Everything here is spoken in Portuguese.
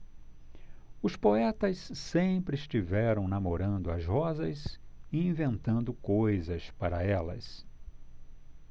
os poetas sempre estiveram namorando as rosas e inventando coisas para elas